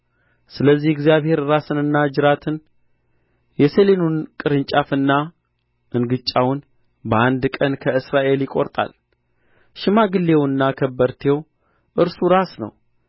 ስለዚህ እግዚአብሔር ራስና ጅራትን የሰሌኑን ቅርንጫፍና እንግጫውን በአንድ ቀን ከእስራኤል ይቆርጣል ሽማግሌውና ከበርቴው እርሱ ራስ ነው